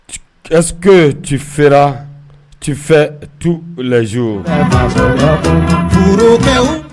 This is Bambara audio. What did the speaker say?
Ɛ tile serafɛ tu lajɛo